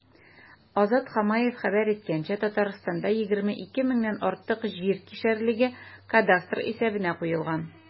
Азат Хамаев хәбәр иткәнчә, Татарстанда 22 меңнән артык җир кишәрлеге кадастр исәбенә куелган.